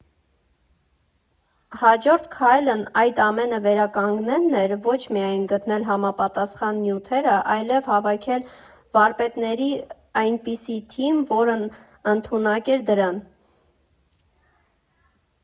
Հաջորդ քայլն այդ ամենը վերականգնելն էր՝ ոչ միայն գտնել համապատասխան նյութերը, այլև հավաքել վարպետների այնպիսի թիմ, որն ընդունակ էր դրան։